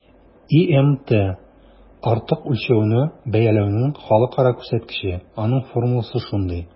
ИМТ - артык үлчәүне бәяләүнең халыкара күрсәткече, аның формуласы шундый: